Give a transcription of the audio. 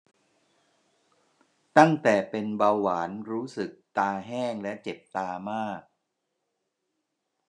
ตั้งแต่เป็นเบาหวานรู้สึกตาแห้งและเจ็บตามาก